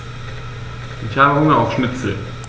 Ich habe Hunger auf Schnitzel.